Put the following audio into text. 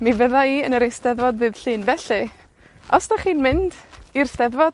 Mi fydda i yn yr Eisteddfod ddydd Llun, felly, os 'dach chi'n mynd i'r 'Steddfod,